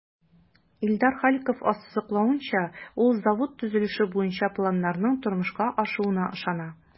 Илдар Халиков ассызыклавынча, ул завод төзелеше буенча планнарның тормышка ашуына ышана.